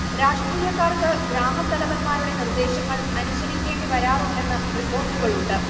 രാഷ്ട്രീയക്കാർക്ക് ഗ്രാമത്തലവന്മാരുടെ നിർദ്ദേശങ്ങൾ അനുസരിക്കേണ്ടിവരാറുണ്ടെന്ന് റിപ്പോർട്ടുകളുണ്ട്